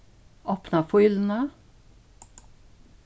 opna fíluna